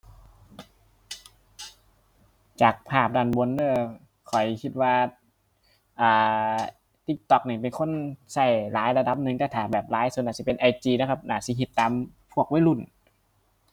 จากภาพด้านบนเด้อ ข้อยคิดว่า อ่า TikTok นี่มีคนใช้หลายระดับหนึ่ง แต่ถ้าแบบว่าหลายสุดน่าสิเป็น IG นะครับ น่าสิฮิตตามพวกวัยรุ่น